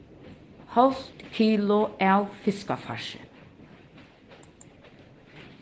hálvt kilo av fiskafarsi